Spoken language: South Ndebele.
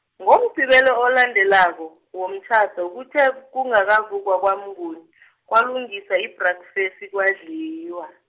ngoMgqibelo olandelako, womtjhado, kuthe kungavukwa kwaMnguni, kwalungiswa ibhrakufesi kwadliwa.